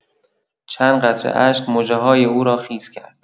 چند قطره اشک مژه‌های او را خیس کرد.